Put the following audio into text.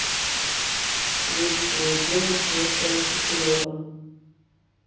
вести недели с дмитрием киселевым